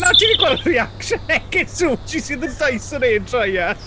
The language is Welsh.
Na, ti 'di gweld reaction Ekin-Su? She's seen the Dyson hairdryer.